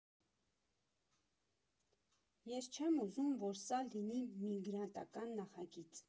Ես չեմ ուզում, որ սա լինի միգրանտական նախագիծ։